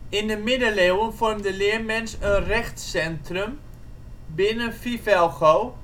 In de middeleeuwen vormde Leermens een rechtscentrum binnen Fivelgo